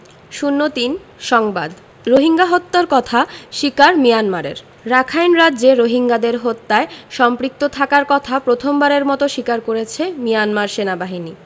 ০৩ সংবাদ রোহিঙ্গা হত্যার কথা স্বীকার মিয়ানমারের রাখাইন রাজ্যে রোহিঙ্গাদের হত্যায় সম্পৃক্ত থাকার কথা প্রথমবারের মতো স্বীকার করেছে মিয়ানমার সেনাবাহিনী